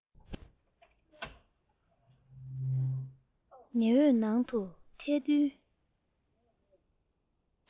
ཉི འོད ནང དུ ཐལ རྡུལ